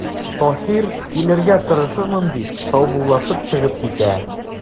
Таһир:– Килергә тырышырмын,– дип, саубуллашып чыгып китә.